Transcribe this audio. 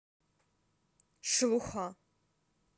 шелуха